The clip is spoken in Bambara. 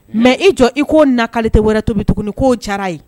Mɛ i jɔ i k'o na tɛ wɛrɛ tobi tuguni k'o ca ye